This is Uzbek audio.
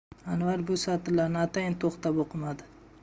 anvar bu satrlarni atayin to'xtab o'qimadi